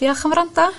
Diolch am wrando